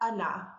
yna